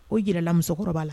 O jirala musokɔrɔbakɔrɔba'a la